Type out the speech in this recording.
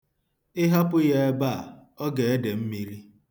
Ị hapụ ya ebe a, ọ ga-ede mmiri.